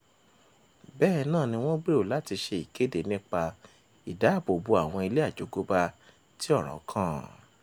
Bẹ́ẹ̀ náà ni wọ́n gbèrò láti ṣe ìkéde nípa ìdààbò bo àwọn ilé àjogúnbá tí ọ̀rán kàn.